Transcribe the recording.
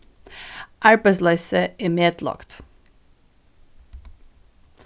arbeiðsloysið er metlágt